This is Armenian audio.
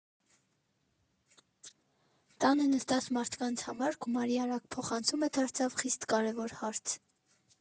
Տանը նստած մարդկանց համար գումարի արագ փոխանցումը դարձավ խիստ կարևոր հարց։